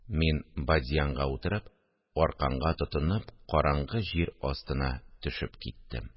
Мин бадьянга утырып, арканга тотынып, караңгы җир астына төшеп киттем